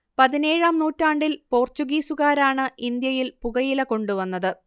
പതിനേഴാം നൂറ്റാണ്ടിൽ പോർച്ചുഗീസുകാരാണ് ഇന്ത്യയിൽ പുകയില കൊണ്ടുവന്നത്